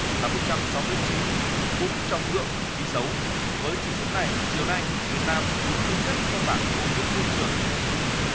là một trăm sáu mươi chín cũng trong ngưỡng không khí xấu với chỉ số này chiều nay việt nam đứng thứ nhất trong bảng ô nhiễm môi trường trên thế giới